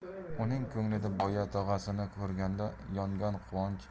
uning ko'nglida boya tog'asini ko'rganda yongan